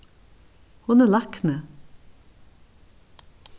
hon er lækni